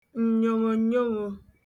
ǹnyòghòǹnyoghō